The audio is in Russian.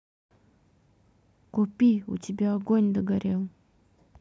купи у тебя огонь догорел